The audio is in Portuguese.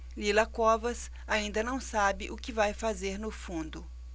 lila covas ainda não sabe o que vai fazer no fundo